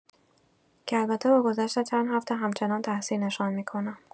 که البته با گذشت چند هفته همچنان تحسین‌شان می‌کنم.